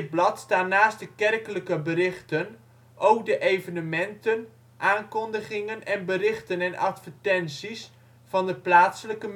blad staan naast de kerkelijke berichten ook de evenementen, aankondigingen, en berichten en advertenties van de plaatselijke middenstand